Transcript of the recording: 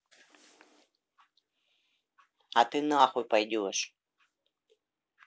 а ты нахуй пойдешь